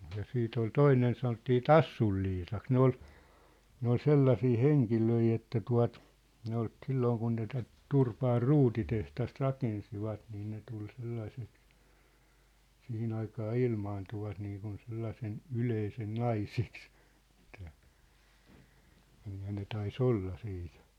ja sitten oli toinen sanottiin Tassun Liisaksi ne oli ne oli sellaisia henkilöitä että tuota ne oli silloin kun ne tätä Turpaan ruutitehdasta rakensivat niin ne tuli sellaiseksi siihen aikaan ilmaantuvat niin kuin sellaisen yleisen naiseksi että kyllä ne taisi olla - sitten